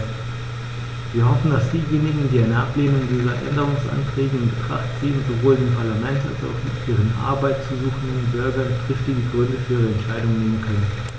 Wir hoffen, dass diejenigen, die eine Ablehnung dieser Änderungsanträge in Betracht ziehen, sowohl dem Parlament als auch ihren Arbeit suchenden Bürgern triftige Gründe für ihre Entscheidung nennen können.